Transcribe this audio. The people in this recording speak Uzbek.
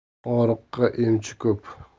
og'riqqa emchi ko'p